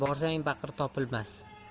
bor borsang paqir topilmas